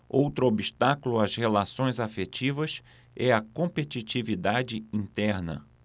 outro obstáculo às relações afetivas é a competitividade interna